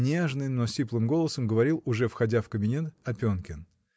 — нежным, но сиплым голосом говорил, уже входя в кабинет, Опенкин.